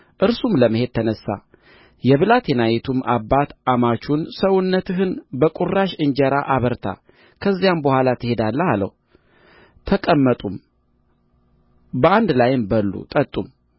እርሱም ለመሄድ ተነሣ የብላቴናይቱም አባት አማቹን ሰውነትህን በቍራሽ እንጀራ አበርታ ከዚያም በኋላ ትሄዳለህ አለው ተቀመጡም በአንድ ላይም በሉ ጠጡም